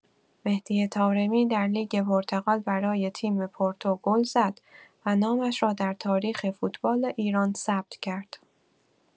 مهدی طارمی در لیگ پرتغال برای تیم پورتو گل زد و نامش را در تاریخ فوتبال ایران ثبت کرد.